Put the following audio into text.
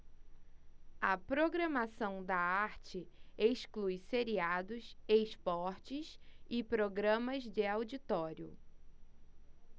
a programação da arte exclui seriados esportes e programas de auditório